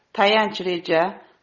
tayanch reja